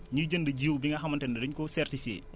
ñuy jënd jiw gi nga xamante ne dañ koo cerifiée